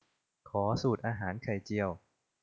ขอสูตรอาหารไข่เจียว